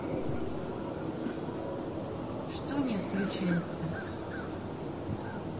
что не отключается